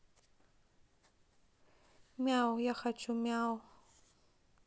мяу я хочу мяу